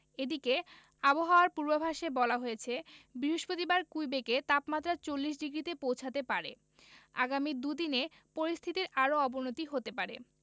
এদিকে আবহাওয়ার পূর্বাভাসে বলা হয়েছে বৃহস্পতিবার কুইবেকে তাপমাত্রা ৪০ ডিগ্রিতে পৌঁছাতে পারে আগামী দু'দিনে পরিস্থিতির আরও অবনতি হতে পারে